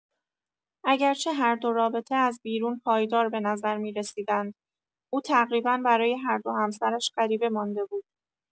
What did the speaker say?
اگرچه هر دو رابطه از بیرون پایدار به نظر می‌رسیدند، او تقریبا برای هر دو همسرش غریبه مانده بود.